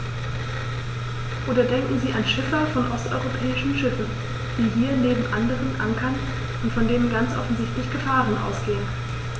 Oder denken Sie an Schiffer von osteuropäischen Schiffen, die hier neben anderen ankern und von denen ganz offensichtlich Gefahren ausgehen.